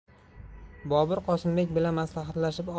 bobur qosimbek bilan maslahatlashib